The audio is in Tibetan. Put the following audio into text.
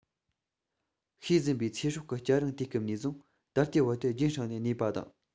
ཤེས ཟིན པའི ཚེ སྲོག གི སྐྱ རེངས དུས སྐབས ནས བཟུང ད ལྟའི བར དུ རྒྱུན བསྲིངས ནས གནས པ དང